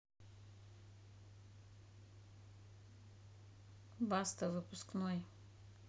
баста выпускной